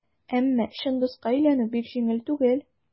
Әмма чын дуска әйләнү бик җиңел түгел.